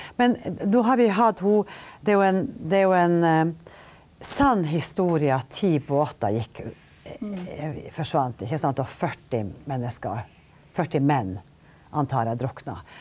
men da har vi hatt hun det er jo en det er jo en sann historie at ti på åtte gikk forsvant ikke sant, og 40 mennesker, 40 menn antar jeg, drukna.